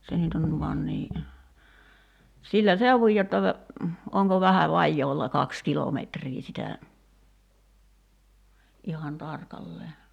se nyt on van niin sillä seudun jotta onko vähän vajaa kaksi kilometriä sitä ihan tarkalleen